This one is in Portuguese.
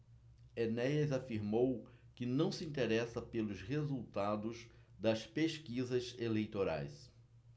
enéas afirmou que não se interessa pelos resultados das pesquisas eleitorais